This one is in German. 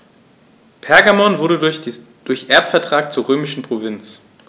Pergamon wurde durch Erbvertrag zur römischen Provinz.